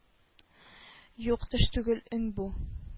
Юк төш түгел өн бу